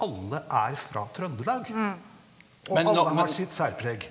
alle er fra Trøndelag, og alle har sitt særpreg.